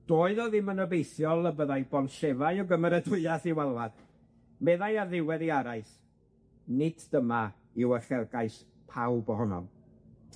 Doedd o ddim yn obeithiol y byddai bonllefau o gymeradwyath i'w alwad, meddai ar ddiwedd 'i araith, Nid dyma yw uchelgais pawb ohonom.